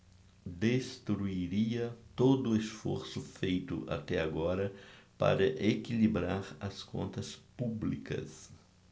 destruiria todo esforço feito até agora para equilibrar as contas públicas